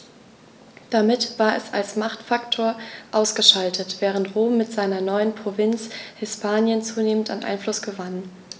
Damit war es als Machtfaktor ausgeschaltet, während Rom mit seiner neuen Provinz Hispanien zunehmend an Einfluss gewann.